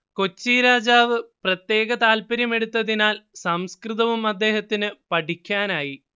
കൊച്ചിരാജാവ് പ്രത്യേക താൽപര്യമെടൂത്തതിനാൽ സംസ്കൃതവും അദ്ദേഹത്തിനു പഠിക്കാനായി